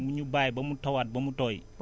ñu bàyyi ba mu tawaat ba mu tooy